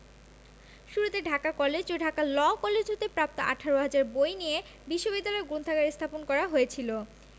শুরুতে ঢাকা কলেজ ও Dhaka law college হতে প্রাপ্ত ১৮ হাজার বই নিয়ে বিশ্ববিদ্যালয় গ্রন্থাগার স্থাপন করা হয়েছিল